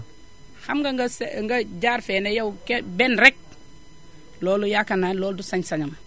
xam nga nga see nga jaar fee ne yow ke benn rekk loolu yaakaar naa loolu du sañ-sañam